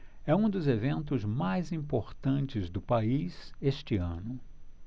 é um dos eventos mais importantes do país este ano